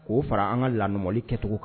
K'o fara an ka la kɛcogo kan